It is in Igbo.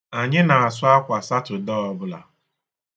Anyị na-asụ akwa Satọ̀de ọbuḷa.